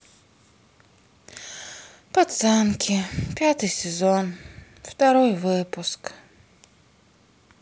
пацанки пятый сезон второй выпуск